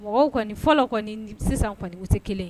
Mɔgɔw kɔni fɔlɔ kɔni sisan tɛ kelen